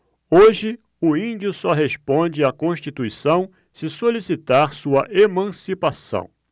hoje o índio só responde à constituição se solicitar sua emancipação